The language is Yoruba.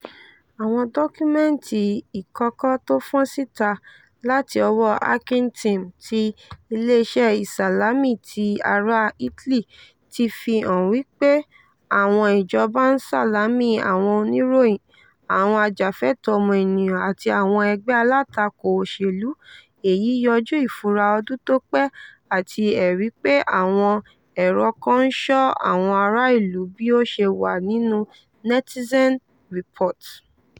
Àwọn dọ́kúmẹ́ntì ìkọ̀kọ̀ tó fọ́n síta láti ọwọ Hacking Team tí Ileeṣẹ́ ìṣalamí ti ará Italy, fi hàn pé àwọn ìjọba ń ṣalamí àwọn Oníròyìn, àwọn ajàfẹ̀tọ̀ọ́ ọmọniyan, àti àwọn ẹgbẹ́ alátakò òṣèlú - èyí yanjú ìfura ọdún tó pé àti ẹrí pé àwọn ẹ̀rọ kán ń ṣọ́ àwọn aráàlú bí ó ṣe wà nínú Netizen Report.